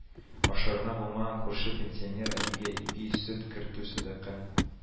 Ашарына булмаган күрше пенсионер әбигә ипи, сөт кертү сәдака